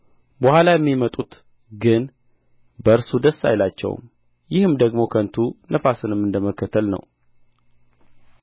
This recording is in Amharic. በኋላ የሚመጡት ግን በእርሱ ደስ አይላቸውም ይህም ደግሞ ከንቱ ነፋስንም እንደ መከተል ነው